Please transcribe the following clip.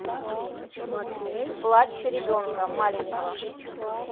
плачь ребенка маленького